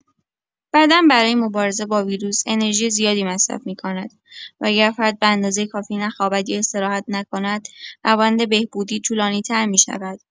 بدن برای مبارزه با ویروس انرژی زیادی مصرف می‌کند و اگر فرد به‌اندازه کافی نخوابد یا استراحت نکند، روند بهبودی طولانی‌تر می‌شود.